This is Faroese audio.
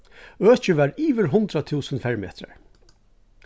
økið var yvir hundrað túsund fermetrar